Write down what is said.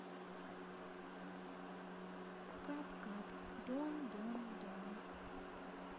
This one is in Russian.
кап кап дон дон дон